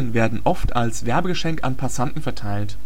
werden oft als Werbegeschenk an Passanten verteilt